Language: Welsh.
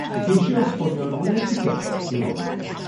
i geisio esbonio'r weledigaeth tu ôl iddi.